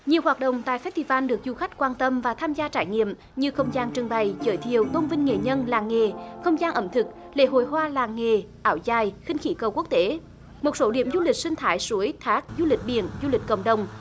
nhiều hoạt động tại phét ti van được du khách quan tâm và tham gia trải nghiệm như không gian trưng bày giới thiệu tôn vinh nghệ nhân làng nghề không gian ẩm thực lễ hội hoa làng nghề áo dài khinh khí cầu quốc tế một số điểm du lịch sinh thái suối thác du lịch biển du lịch cộng đồng